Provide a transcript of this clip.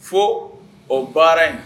Fo o baara in